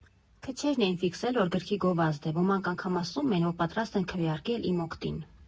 Քչերն էին ֆիքսել, որ գրքի գովազդ է, ոմանք անգամ ասում էին, որ պատրաստ են քվեարկել իմ օգտին։